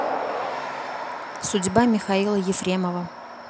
судьба михаила ефремова